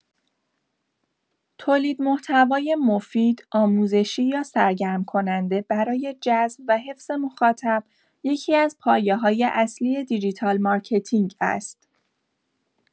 تولید محتوای مفید، آموزشی یا سرگرم‌کننده برای جذب و حفظ مخاطب، یکی‌از پایه‌های اصلی دیجیتال مارکتینگ است.